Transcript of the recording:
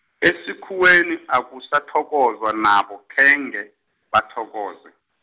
esikhuweni akusathokozwa nabo khenge, bathokoze.